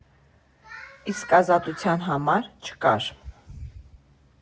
Իսկ ազատության համար չկար։